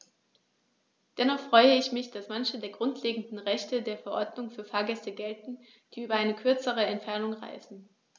Dennoch freue ich mich, dass manche der grundlegenden Rechte der Verordnung für Fahrgäste gelten, die über eine kürzere Entfernung reisen.